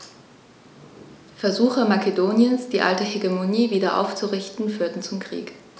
Versuche Makedoniens, die alte Hegemonie wieder aufzurichten, führten zum Krieg.